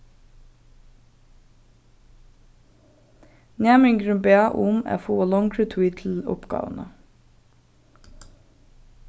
næmingurin bað um at fáa longri tíð til uppgávuna